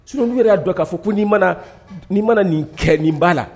Sinon n'olu yɛrɛ y'a don k'a fɔ ko n'i ma na nin kɛ ,nin baa la